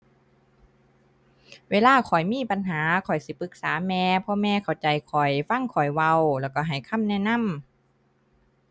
เวลาข้อยมีปัญหา ข้อยสิปรึกษาแม่ เพราะแม่เข้าใจข้อย ฟังข้อยเว้า แล้วก็ให้คำแนะนำ